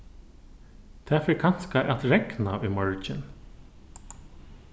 tað fer kanska at regna í morgin